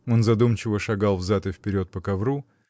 Он задумчиво шагал взад и вперед по ковру.